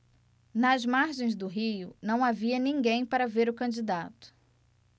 nas margens do rio não havia ninguém para ver o candidato